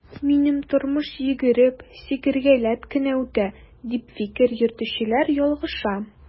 Минем тормыш йөгереп, сикергәләп кенә үтә, дип фикер йөртүчеләр ялгыша.